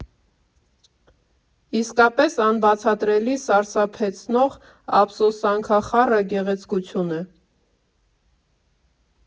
Իսկապես, անբացատրելի, սարսափեցնող ափսոսանքախառը գեղեցկություն է։